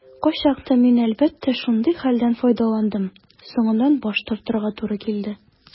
Кайчакта мин, әлбәттә, шундый хәлдән файдаландым - соңыннан баш тартырга туры килде.